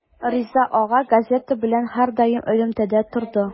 Риза ага газета белән һәрдаим элемтәдә торды.